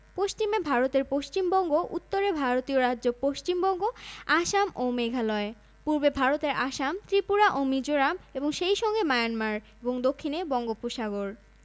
গঙ্গা পদ্মা নদীপ্রণালী ব্রহ্মপুত্র যমুনা নদীপ্রণালী ও সুরমা মেঘনা নদীপ্রণালী দেশের দক্ষিণ পূর্ব অংশের পাহাড়ী এলাকার নদীগুলো সামগ্রিকভাবে চট্টগ্রাম অঞ্চলের নদীপ্রণালী হিসেবে চিহ্নিত